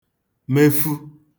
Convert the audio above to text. mefu